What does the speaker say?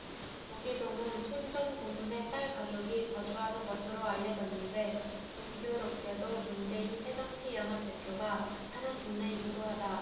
구기동은 손 전 고문의 딸 가족이 거주하는 것으로 알려졌는데 공교롭게도 문재인 새정치연합 대표가 사는 동네이기도 하다